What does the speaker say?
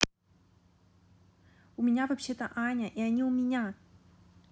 у меня вообще то аня и они у меня